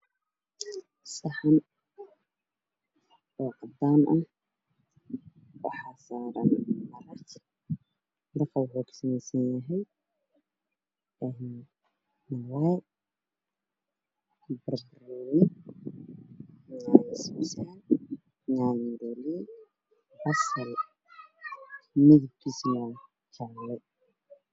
Saxan oo cadaan ah waxaa saaran yaanyo maroolay basal